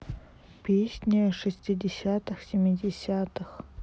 песни шестидесятых семидесятых